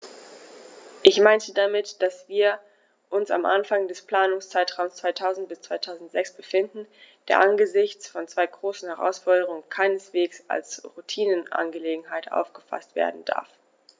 Ich meine damit, dass wir uns am Anfang des Planungszeitraums 2000-2006 befinden, der angesichts von zwei großen Herausforderungen keineswegs als Routineangelegenheit aufgefaßt werden darf.